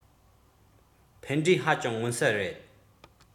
ཕན འབྲས ཧ ཅང མངོན གསལ རེད